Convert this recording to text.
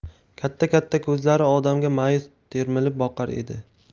katta katta ko'zlari odamga mayus termilib boqar edi